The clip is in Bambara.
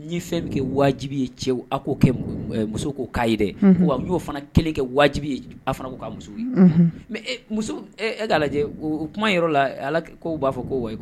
Ye fɛn bɛ kɛ wajibi ye cɛw ao kɛ muso k'o k'a ye wa y'o fana kelen kɛ wajibi a fana ko ka muso ye muso e ka' lajɛ o kuma yɔrɔ la' b'a fɔ koo wa